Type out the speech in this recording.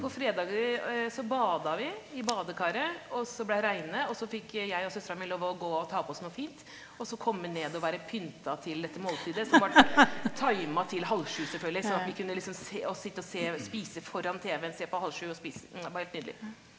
på fredager så bada vi i badekaret og så blei reine og så fikk jeg og søstera mi lov å gå og ta på oss noe fint og så komme ned og være pynta til dette måltidet som var taima til halvsju selvfølgelig sånn at vi kunne liksom se og sitte å se spise foran tv-en, se på halv sju og spise, det var bare helt nydelig.